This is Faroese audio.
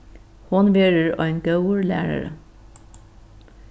hon verður ein góður lærari